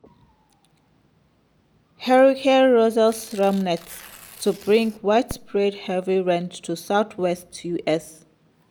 Hurricane Rosa's remnants to bring widespread heavy rain to southwest US